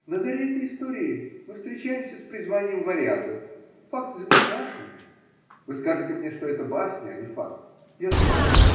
– На заре этой истории мы встречаемся с призванием варягов. Факт замечательный. Вы скажете мне. что это басня, а не факт. Я знаю.